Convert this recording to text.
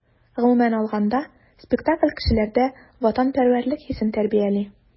Гомумән алганда, спектакль кешеләрдә ватанпәрвәрлек хисен тәрбияли.